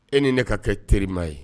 E ni ne ka kɛ terima ye.